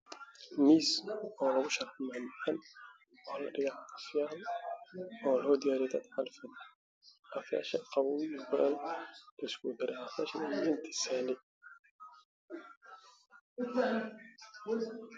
Kani waa ubax waxa uu leyahay midab cadaan iyo midab madow ah waxa gadaal ka jiro darbi midabkiisa yahay cadaan